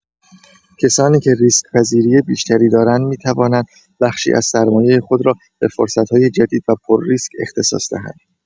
کسانی که ریسک‌پذیری بیشتری دارند می‌توانند بخشی از سرمایه خود را به فرصت‌های جدید و پرریسک اختصاص دهند.